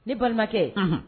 Ne balimakɛ h